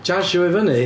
Tshainjo fo fyny?